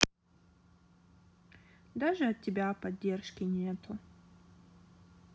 даже от тебя поддержки нету